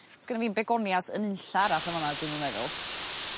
Sgenno fi'm begonias yn unlla arall yn fa' 'ma dwi'm yn meddwl.